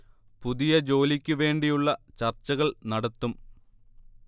പുതിയ ജോലിക്ക് വേണ്ടി ഉള്ള ചർച്കൾ നടത്തും